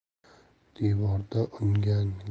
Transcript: devorda ungan giyohning